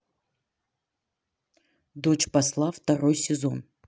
дочь посла второй сезон